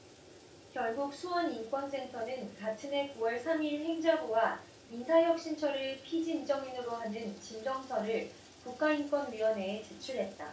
결국 수원인권센터는 같은 해 구 월 삼 일 행자부와 인사혁신처를 피진정인으로 하는 진성서를 국가인권위원회에 제출했다